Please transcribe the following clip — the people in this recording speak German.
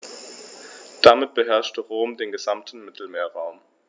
Damit beherrschte Rom den gesamten Mittelmeerraum.